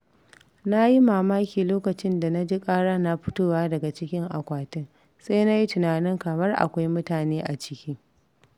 Na yi mamaki lokacin da na ji ƙara na fitowa daga cikin akwatin, sai na yi tunanin kamar akwai mutane a ciki.